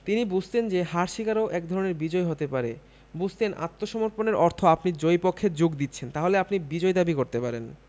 তিনি বুঝতেন যে হার স্বীকারও একধরনের বিজয় হতে পারে বুঝতেন যে আত্মসমর্পণের অর্থ আপনি জয়ী পক্ষে যোগ দিচ্ছেন তাহলে আপনি বিজয় দাবি করতে পারেন